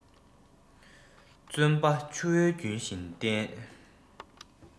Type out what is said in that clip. བརྩོན པ ཆུ བོའི རྒྱུན བཞིན བསྟེན